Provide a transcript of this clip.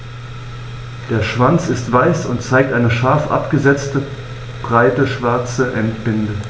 Der Schwanz ist weiß und zeigt eine scharf abgesetzte, breite schwarze Endbinde.